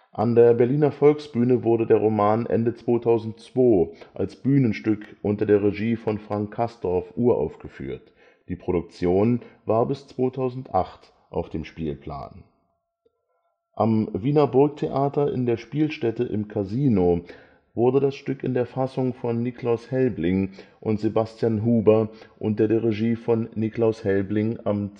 An der Berliner Volksbühne wurde der Roman Ende 2002 als Bühnenstück unter der Regie von Frank Castorf uraufgeführt. Die Produktion war bis 2008 auf dem Spielplan. Am Wiener Burgtheater in der Spielstätte im Kasino wurde das Stück in der Fassung von Niklaus Helbling und Sebastian Huber und der Regie von Niklaus Helbling am